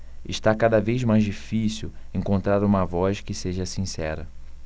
está cada vez mais difícil encontrar uma voz que seja sincera